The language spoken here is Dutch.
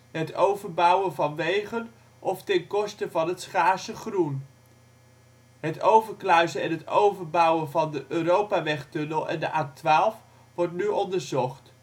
het overbouwen van wegen of ten koste van het schaarse groen. Het overkluizen en het overbouwen van de Europawegtunnel en de A12 worden nu onderzocht